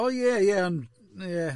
O ie, ie, ond ie.